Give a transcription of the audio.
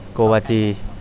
โกวาจี